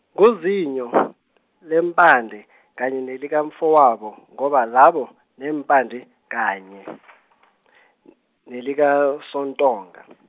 nguzinyo , leempande, kanye nelikamfowabo, ngoba laba, neempande kanye, n- nelikaSoNtonga.